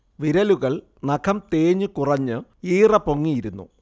വിരലുകൾ നഖം തേഞ്ഞ് കുറഞ്ഞ് ഈറ പൊങ്ങിയിരുന്നു